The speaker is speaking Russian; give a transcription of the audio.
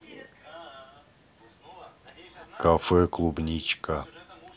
кафе клубничка